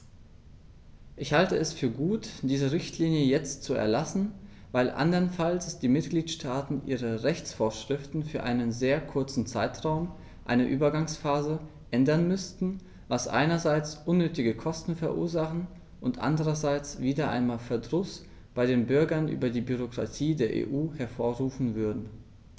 Ich halte es für gut, diese Richtlinie jetzt zu erlassen, weil anderenfalls die Mitgliedstaaten ihre Rechtsvorschriften für einen sehr kurzen Zeitraum, eine Übergangsphase, ändern müssten, was einerseits unnötige Kosten verursachen und andererseits wieder einmal Verdruss bei den Bürgern über die Bürokratie der EU hervorrufen würde.